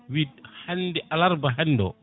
huit hande alarba hande o